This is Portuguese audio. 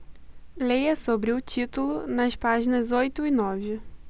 leia sobre o título nas páginas oito e nove